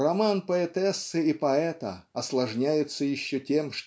роман поэтессы и поэта осложняется еще тем